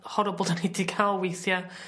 horrible 'dan ni 'di ca'l weithia'.